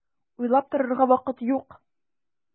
Уйлап торырга вакыт юк!